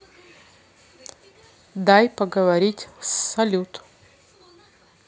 дай поговорить с салют